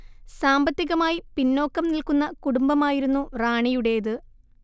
സാമ്പത്തികമായി പിന്നോക്കം നിൽക്കുന്ന കുടുംബമായിരുന്നു റാണിയുടേത്